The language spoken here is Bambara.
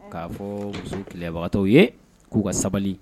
K'a fɔ musotibagatɔw ye k'u ka sabali